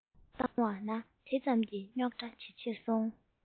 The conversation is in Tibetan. བཏང བ ན དེ ཙམ གྱིས རྙོག དྲ ཇེ ཆེར སོང